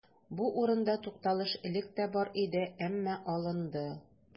Бу урында тукталыш элек тә бар иде, әмма алынды.